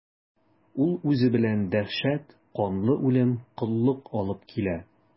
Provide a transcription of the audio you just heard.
Ул үзе белән дәһшәт, канлы үлем, коллык алып килә.